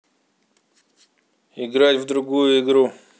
играть в другую игру